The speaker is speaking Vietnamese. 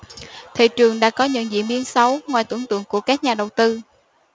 thị trường đã có những diễn biến xấu ngoài tưởng tượng của các nhà đầu tư